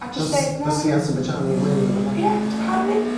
...i Azerbaijan i weu ne' wbath ia? Ia d- pam ddim?